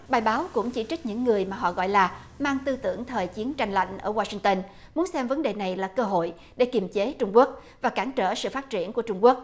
bài báo cũng chỉ trích những người mà họ gọi là mang tư tưởng thời chiến tranh lạnh ở goa sin tơn muốn xem vấn đề này là cơ hội để kiềm chế trung quốc và cản trở sự phát triển của trung quốc